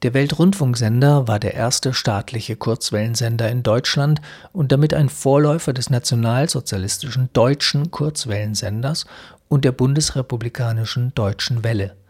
Weltrundfunksender war der erste staatliche Kurzwellensender in Deutschland und damit ein Vorläufer des nationalsozialistischen Deutschen Kurzwellensenders und der bundesrepublikanischen Deutschen Welle